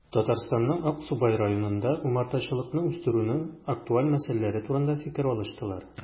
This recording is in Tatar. Татарстанның Аксубай районында умартачылыкны үстерүнең актуаль мәсьәләләре турында фикер алыштылар